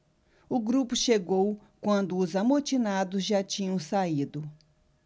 o grupo chegou quando os amotinados já tinham saído